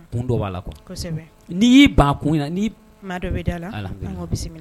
Dɔ b'a la n''i ba kun dɔ bɛ da